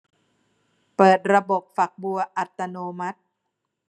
เปิดระบบฝักบัวอัตโนมัติ